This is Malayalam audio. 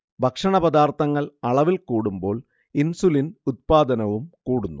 ഭക്ഷണപദാർഥങ്ങൾ അളവിൽ കൂടുമ്പോൾ ഇൻസുലിൻ ഉത്പാദനവും കൂടുന്നു